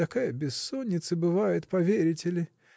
такая бессонница бывает, поверите ли?